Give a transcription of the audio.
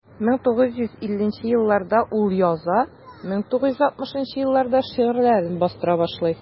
1950 елларда ул яза, 1960 елларда шигырьләрен бастыра башлый.